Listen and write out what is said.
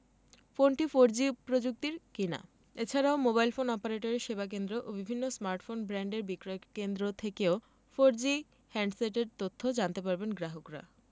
ফোনটি ফোরজি প্রযুক্তির কিনা এ ছাড়াও মোবাইল ফোন অপারেটরের সেবাকেন্দ্র ও বিভিন্ন স্মার্টফোন ব্র্যান্ডের বিক্রয়কেন্দ্র থেকেও ফোরজি হ্যান্ডসেটের তথ্য জানতে পারবেন গ্রাহকরা